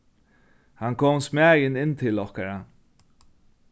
hann kom smæðin inn til okkara